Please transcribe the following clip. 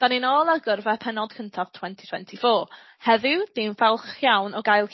'Dan ni nôl ar gyrfa pennod cyntaf twenty twenty four heddiw dwi'n falch iawn o gael...